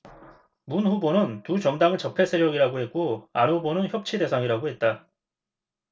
문 후보는 두 정당을 적폐 세력이라고 했고 안 후보는 협치 대상이라고 했다